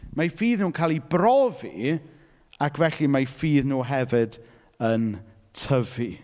Mae eu ffydd nhw'n cael ei brofi, ac felly mae'u ffydd nhw hefyd yn tyfu.